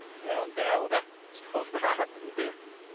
Ia ond del 'de? Stwff da. Yndi.